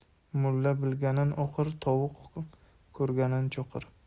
mulla bilganin o'qir tovuq ko'rganin cho'qir